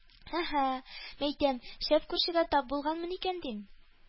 Әһә, мәйтәм, шәп күршегә тап булганмын икән, дим.